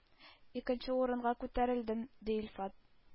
Икенче урынга күтәрелдем, – ди илфат.